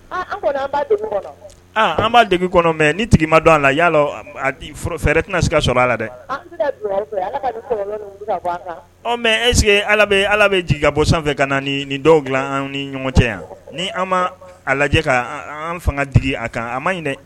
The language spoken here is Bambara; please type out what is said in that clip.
An b' dege kɔnɔ mɛ ni tigi ma don an la'a fɛrɛɛrɛ tɛna si sɔrɔ a la dɛ ese ala bɛ jigin ka bɔ sanfɛ ka na ni dɔw an ni ɲɔgɔn cɛ yan ni an ma a lajɛ ka an fanga d a kan a ma ɲini